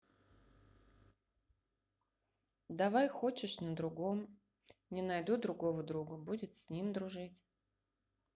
давай хочешь на другом не найду другого друга будет с ним дружить